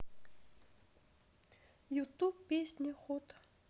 ютуб песня хот